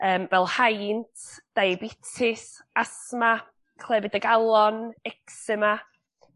Yym fel haint, diabetes, asthma, clefyd y galon, ecsema.